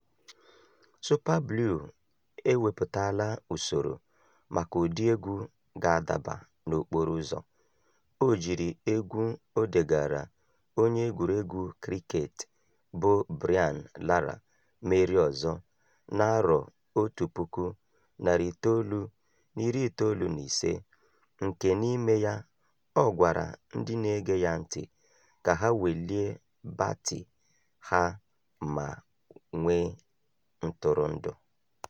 Super Blue ewepụtaala usoro maka ụdị egwu ga-adaba n'okporo ụzọ: o jiri egwu o degara onye egwuregwu kịrịkeetị bụ Brian Lara merie ọzọ na 1995, nke n'ime ya ọ gwara ndị na-ege ya ntị ka ha "welie baatị ha ma nwee ntụrụndụ".